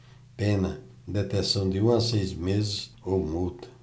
pena detenção de um a seis meses ou multa